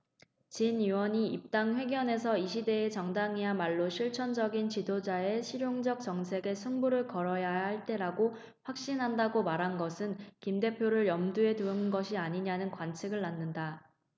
진 의원이 입당 회견에서 이 시대 정당이야말로 실천적인 지도자의 실용적인 정책에 승부를 걸어야 할 때라고 확신한다고 말한 것은 김 대표를 염두에 둔 것 아니냐는 관측을 낳는다